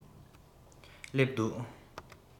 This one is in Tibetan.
སླེབས འདུག